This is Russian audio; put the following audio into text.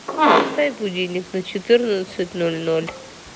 поставь будильник на четырнадцать ноль ноль